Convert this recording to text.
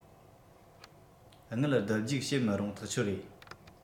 དངུལ བསྡུ རྒྱུག བྱེད མི རུང ཐག ཆོད རེད